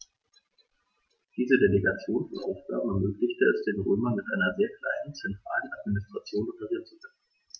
Diese Delegation von Aufgaben ermöglichte es den Römern, mit einer sehr kleinen zentralen Administration operieren zu können.